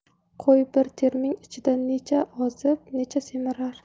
qo'y bir terming ichida necha ozib necha semirar